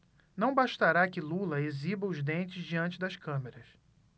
não bastará que lula exiba os dentes diante das câmeras